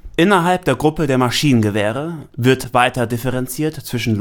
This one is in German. Innerhalb der Gruppe der Maschinengewehre wird weiter differenziert zwischen